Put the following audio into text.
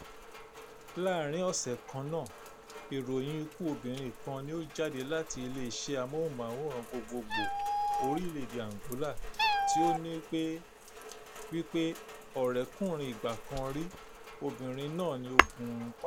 Láàárín ọ̀sẹ̀ kan náà, ìròyìn ikú obìnrin kan ni ó jáde láti ilé-iṣẹ́ Amóhùn-máwòrán Gbogboògbò orílẹ̀-èdè Angola tí ó ní wípé ọ̀rẹ́kùnrin ìgbà-kan-rí obìnrin náà ni ó gún un pa.